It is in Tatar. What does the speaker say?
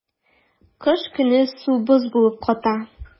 Кыш көне су боз булып ката.